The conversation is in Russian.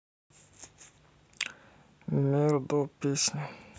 marlo песня